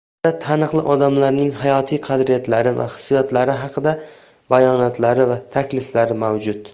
maqolada taniqli odamlarning hayotiy qadriyatlari va hissiyotlari haqidagi bayonotlari va takliflari mavjud